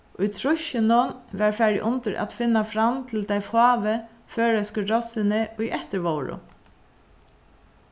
í trýssunum var farið undir at finna fram til tey fáu føroysku rossini ið eftir vóru